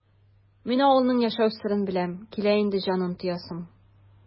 Мин авылның яшәү серен беләм, килә инде җанын тоясым!